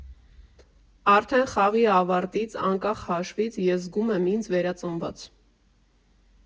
Արդեն խաղի ավարտին, անկախ հաշվից, ես զգում եմ ինձ վերածնված։